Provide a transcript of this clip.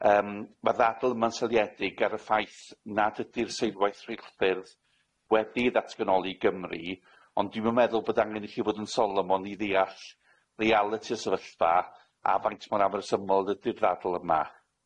Yym, ma'r ddadl yma'n seiliedig ar y ffaith nad ydi'r seilwaith rheilffyrdd wedi ei ddatganoli i Gymru, ond dwi'm yn meddwl bod angen i chi fod yn Solomon i ddiall realiti'r sefyllfa, a faint mor afresymol ydi'r ddadl yma.